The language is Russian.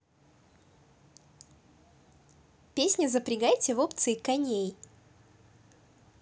песня запрягайте в опции коней